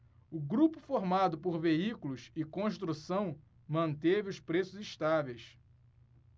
o grupo formado por veículos e construção manteve os preços estáveis